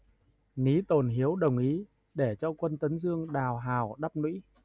lý tồn hiếu đồng ý để cho quân tấn dương đào hào đắp lũy